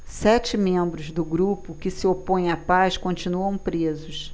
sete membros do grupo que se opõe à paz continuam presos